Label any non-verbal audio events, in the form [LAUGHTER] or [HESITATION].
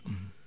[HESITATION] [HESITATION]